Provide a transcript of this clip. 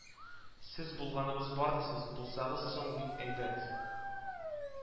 Сез, булганыбыз бар, дисез, булсагыз соң, бик әйбәт